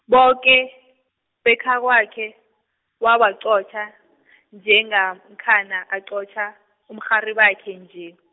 boke, bekhakwakhe, wabaqotjha, njengamkhana aqotjha, umrharibakhe nje.